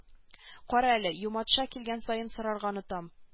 Кара әле юматша килгән саен сорарга онытам